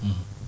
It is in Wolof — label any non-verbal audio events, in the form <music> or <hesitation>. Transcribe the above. <hesitation> <hesitation>